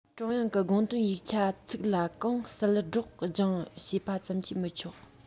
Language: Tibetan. ཀྲུང དབྱང གི དགོངས དོན ཡིག ཆ ཚིག ལ གང གསལ སྒྲོག སྦྱངས བྱས པ ཙམ གྱིས མི ཆོག